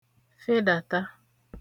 fedàta